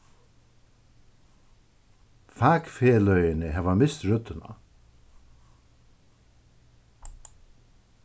fakfeløgini hava mist røddina